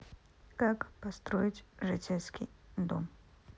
как построить житель ский дом